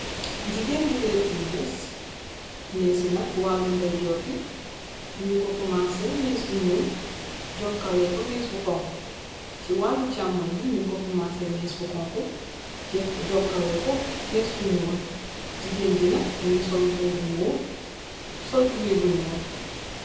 Jigéen juletu mes mees yinak wàllu ndey jor bi ñunko kumansé mees bu ñuul jokkale ko mees bu xonku ci wàllu càmmoon bi ñun ko kumansé mees bu xonku jokkale ko mees bu ñuul jigéen ji nak mngi solmboo bu moof soltubi bu ñyuul.